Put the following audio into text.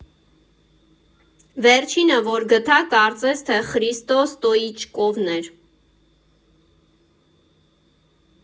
Վերջինը, որ գտա, կարծես թե, Խրիստո Ստոիչկովն էր։